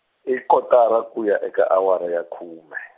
i kotara kuya eka awara ya khume.